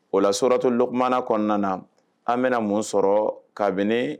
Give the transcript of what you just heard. O la sratɔonlkumana kɔnɔna na an bɛna mun sɔrɔ kabini